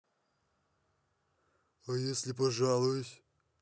а если пожалуюсь